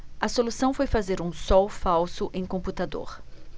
a solução foi fazer um sol falso em computador